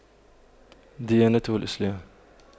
ديانة الإسلام